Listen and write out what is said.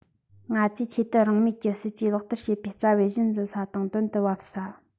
ང ཚོས ཆོས དད རང མོས ཀྱི སྲིད ཇུས ལག བསྟར བྱེད པའི རྩ བའི གཞི འཛིན ས དང དོན དུ བབ ས